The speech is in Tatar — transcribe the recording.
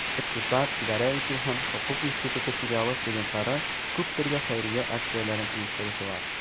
Икътисад, идарә итү һәм хокук институты филиалы студентлары - күп төрле хәйрия акцияләрен оештыручылар.